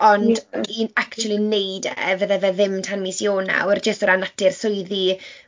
Ond i achsyli wneud e, fydde fe ddim tan mis Ionawr jyst o ran natur swyddi.